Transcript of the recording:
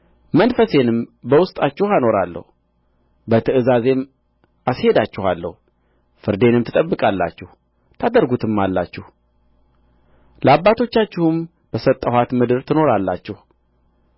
መንፈሴንም በውስጣችሁ አኖራለሁ በትእዛዜም አስሄዳችኋለሁ ፍርዴንም ትጠብቃላችሁ ታደርጉትማላችሁ ለአባቶቻችሁም በሰጠኋት ምድር ትኖራላችሁ